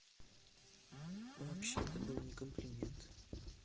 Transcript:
вообще это был не комплимент